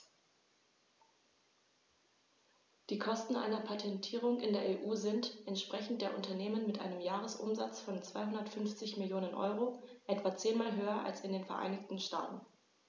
Die Kosten einer Patentierung in der EU sind, entsprechend der Unternehmen mit einem Jahresumsatz von 250 Mio. EUR, etwa zehnmal höher als in den Vereinigten Staaten.